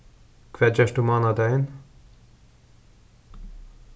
hvat gert tú mánadagin